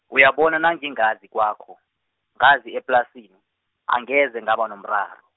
uyabona nangazi kwakho, ngazi eplasini, angeze ngaba nomraro.